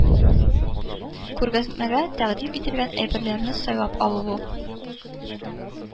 Күргәзмәгә тәкъдим ителгән әйберләрне сайлап алу бу